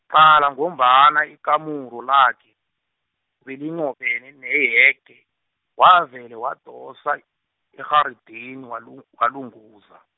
qala ngombana ikamero lakhe, belinqophene neyege, wavele wadosa, irharideni walu-, walunguza.